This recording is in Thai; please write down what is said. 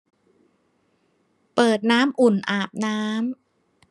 เปิดน้ำอุ่นอาบน้ำ